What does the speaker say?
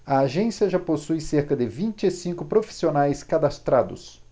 a agência já possui cerca de vinte e cinco profissionais cadastrados